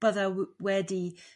bydda wedi